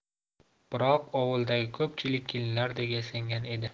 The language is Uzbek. biroq ovuldagi ko'pchilik kelinlardek yasangan edi